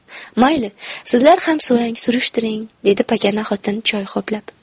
mayli sizlar ham so'rang surishtiring dedi pakana xotin choy ho'plab